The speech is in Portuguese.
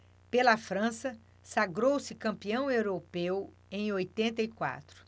pela frança sagrou-se campeão europeu em oitenta e quatro